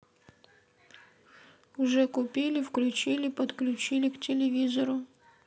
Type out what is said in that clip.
уже купили включили подключили к телевизору